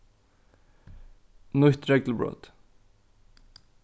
nýtt reglubrot